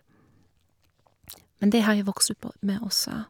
Men det har jeg vokst opp på med også.